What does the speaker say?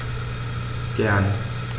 Gern.